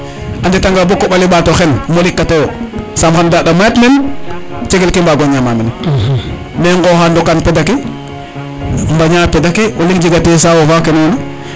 a ndeta nga bo koɓale mbato xen molikate yo saam xan denda mayat men cegel kene mbago ñama mene mais ngoxa dokan pedake mbaña peda ke o leŋ jega te kene ona